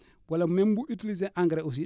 wala même bu utiliser engrais engrais aussi